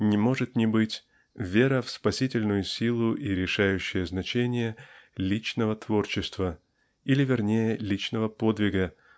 не может не быть вера в спасительную силу и решающее значение личного творчества или вернее личного подвига